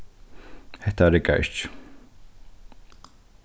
hetta riggar ikki